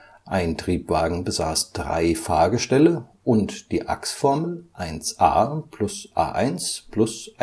Ein Triebwagen besaß drei Fahrgestelle und die Achsformel (1A) + (A1) +